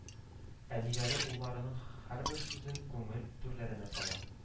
Әниләре улларының һәрбер сүзен күңел түрләренә сала